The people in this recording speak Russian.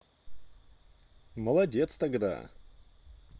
молодец тогда